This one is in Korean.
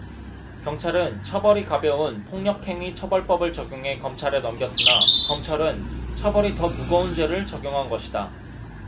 경찰은 처벌이 가벼운 폭력행위처벌법을 적용해 검찰에 넘겼으나 검찰은 처벌이 더 무거운 죄를 적용한 것이다